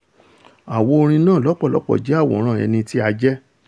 Àwo orin náà lọ́pọ̀lọ́pọ̀ jẹ́ àwòrán ẹnití a jẹ́.''